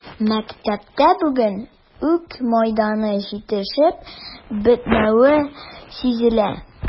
Мәктәптә бүген үк мәйдан җитешеп бетмәве сизелә.